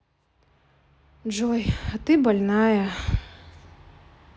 джой а ты больная